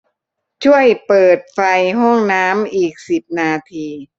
ช่วยเปิดไฟห้องน้ำอีกสิบนาที